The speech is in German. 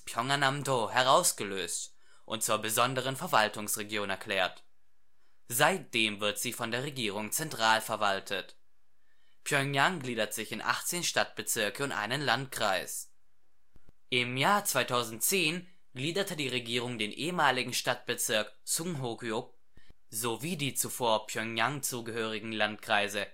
yŏngan-namdo herausgelöst und zur besonderen Verwaltungsregion erklärt. Seitdem wird sie von der Regierung zentral verwaltet. Pjöngjang gliedert sich in 18 Stadtbezirke und einen Landkreis. Im Jahr 2010 gliederte die Regierung den ehemaligen Stadtbezirk Sŭngho-guyŏk (kor. 승호구역, Hanja 勝湖區域) sowie die zuvor Pjöngjang zugehörigen Landkreise